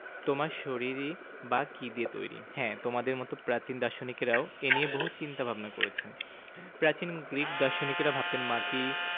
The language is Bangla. তোমার শরীরই বা কী দিয়ে তৈরি হ্যাঁ তোমাদের মতো প্রাচীন দার্শনিকেরাও এ নিয়ে বহু চিন্তা ভাবনা করেছেন প্রাচীন গ্রিক দার্শনিকেরা ভাবতেন মাটি